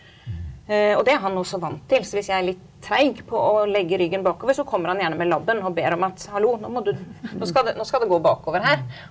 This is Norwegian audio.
og det er han også vant til, så hvis jeg er litt treig på å legge ryggen bakover så kommer han gjerne med labben og ber om at hallo nå må du nå skal det nå skal det gå bakover her.